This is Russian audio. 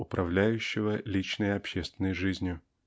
управляющего личной и общественной жизнью.